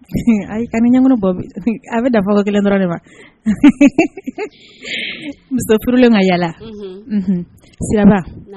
A ɲa bɔ bi a bɛ dafafa kelen dɔrɔn de ma musoflen ma yalala siraba